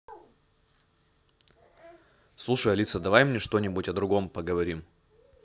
слушай алиса давай мне что нибудь о другом поговорим